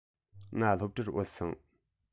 ང སློབ གྲྭར བུད སོང